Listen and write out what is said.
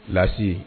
Baasi